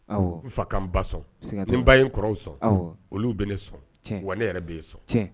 Ɔ, N fa k'an ba sɔn , ni ba ye kɔrɔw sɔn , olu bɛ ne sɔn , .wa ne yɛrɛ bɛ e sɔn